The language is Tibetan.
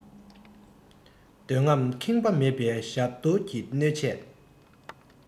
འདོད རྔམས ཁེངས པ མེད པའི ཞབས བརྡོལ གྱི གནོད ཆས